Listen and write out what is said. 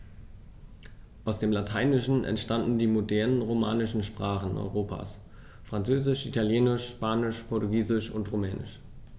Aus dem Lateinischen entstanden die modernen „romanischen“ Sprachen Europas: Französisch, Italienisch, Spanisch, Portugiesisch und Rumänisch.